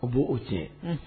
O b' o tiɲɛn